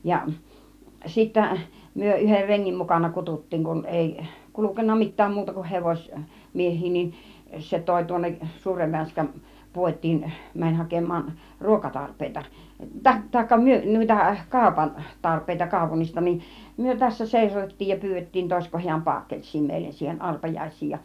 ja sitten me yhden rengin mukana kutsuttiin kun ei kulkenut mitään muuta kuin - hevosmiehiä niin se toi tuonne suuren Vänskän puotiin meni hakemaan ruokatarpeita - tai - noita - kaupantarpeita kaupungista niin me tässä seisotettiin ja pyydettiin toisiko hän paakelssia meille siihen arpajaisiin ja